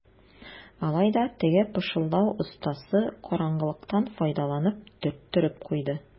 Алай да теге пышылдау остасы караңгылыктан файдаланып төрттереп куйды.